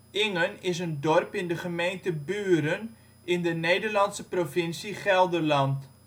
Ingen is een dorp in de gemeente Buren, in de Nederlandse provincie Gelderland